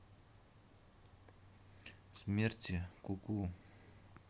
смерти ку ку